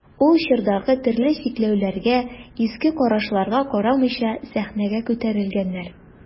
Ул чордагы төрле чикләүләргә, иске карашларга карамыйча сәхнәгә күтәрелгәннәр.